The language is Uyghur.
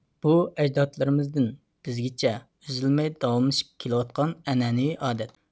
بۇ ئەجدادلىرىمىزدىن بىزگىچە ئۈزۈلمەي داۋاملىشىپ كېلىۋاتقان ئەنئەنىۋى ئادەت